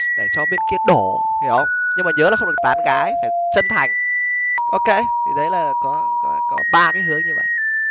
để cho bên kia đổ hiểu không nhưng mà nhớ là không được tán gái phải chân thành ô kê thì đấy là có ba cái hướng như vậy